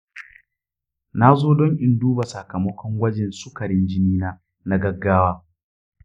nazo don in duba sakamakon gwajin sukarin jinina na gaggawa.